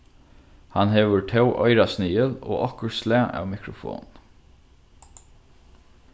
hann hevur tó oyrasnigil og okkurt slag av mikrofon